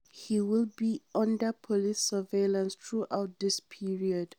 He will be under police surveillance throughout this period.